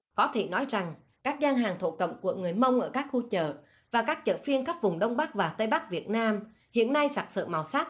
có thể nói rằng các gian hàng thổ cẩm của người mông ở các khu chợ và các chợ phiên các vùng đông bắc và tây bắc việt nam hiện nay sặc sỡ màu sắc